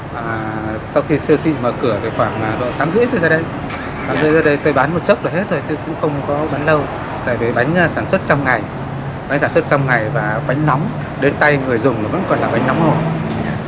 ờ sau khi siêu thị mở cửa thì khoảng độ tám rưỡi tôi ra đây thì tôi ra đây tôi bán một chốc đã hết thôi chứ cũng không có bán lâu tại vì bánh sản xuất trong ngày bánh sản xuất trong ngày và bánh nóng đến tay người dùng là vẫn còn là bánh nóng hổi